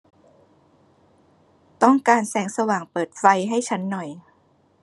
ต้องการแสงสว่างเปิดไฟให้ฉันหน่อย